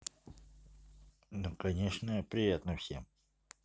ну конечно приятно всем